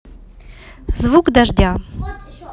звук дождя